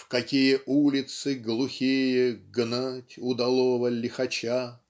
в какие улицы глухие гнать удалого лихача".